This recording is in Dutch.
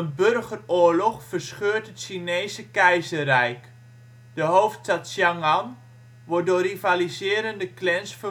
burgeroorlog verscheurt het Chinese Keizerrijk, de hoofdstad Chang'an wordt door rivaliserende clans